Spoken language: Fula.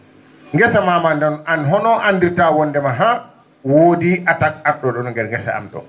ngesa ma mbaa noon aan holno anndirtaa wondema han woodii attaque ar?o ?o ngesa am ?oo